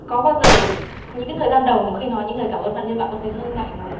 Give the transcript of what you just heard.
có bao giờ những cái thời gian đầu khi nói những lời cảm ơn phạm nhân bạn có thấy ngại ngùng không